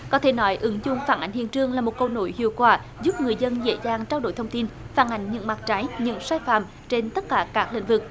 có thể nói ứng chung phản ánh hiện trường là một cầu nối hiệu quả giúp người dân dễ dàng trao đổi thông tin phản ánh những mặt trái những sai phạm trên tất cả các lĩnh vực